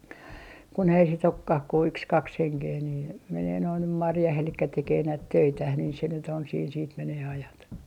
kun ei sitten olekaan kuin yksi kaksi henkeä niin menee nuo nyt marjaan eli tekee näitä töitään niin se nyt on siinä sitten menee ajat